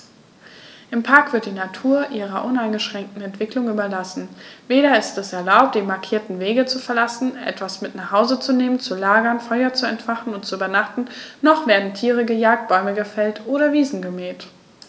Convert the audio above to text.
Im Park wird die Natur ihrer uneingeschränkten Entwicklung überlassen; weder ist es erlaubt, die markierten Wege zu verlassen, etwas mit nach Hause zu nehmen, zu lagern, Feuer zu entfachen und zu übernachten, noch werden Tiere gejagt, Bäume gefällt oder Wiesen gemäht.